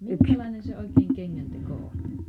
minkäslainen se oikein kengänteko on